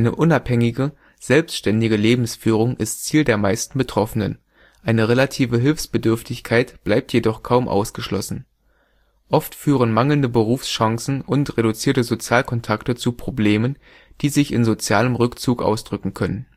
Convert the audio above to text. unabhängige, selbständige Lebensführung ist Ziel der meisten Betroffenen, eine relative Hilfsbedürftigkeit bleibt jedoch kaum ausgeschlossen. Oft führen mangelnde Berufschancen ()() und reduzierte Sozialkontakte zu Problemen, die sich in sozialem Rückzug ausdrücken können